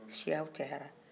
siyaw cayara